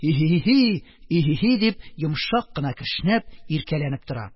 Иһи... иһи... дип, йомшак кына кешнәп, иркәләнеп тора,